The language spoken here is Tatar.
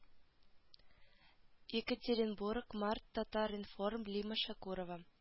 Екатеринбург март татар-информ лима шәкүрова